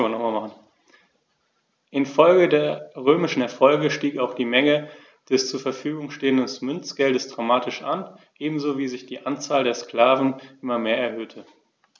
Infolge der römischen Erfolge stieg auch die Menge des zur Verfügung stehenden Münzgeldes dramatisch an, ebenso wie sich die Anzahl der Sklaven immer mehr erhöhte.